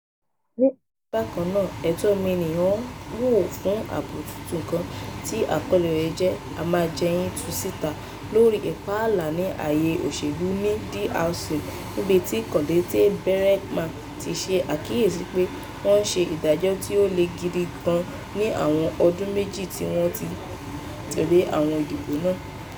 Ní ọ̀sẹ̀ yìí bákan náà Human Rights Watch fi àbọ̀ tuntun kan tí àkọ́lé rẹ̀ ń jẹ́ "A máa jẹ yín tun" síta, lórí ìpààlà ní àyè òṣèlú ní DRC níbi tí Collete Braeckman ti ṣe àkíyèsí pé "wọ́n ṣe ìdájọ́ tí ó le gidi gan ní àwọn ọdún méjì tí wọ́n tẹ̀lé àwọn ìdìbò náà".